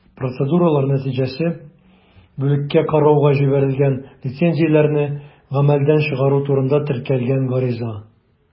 Процедуралар нәтиҗәсе: бүлеккә карауга җибәрелгән лицензияләрне гамәлдән чыгару турында теркәлгән гариза.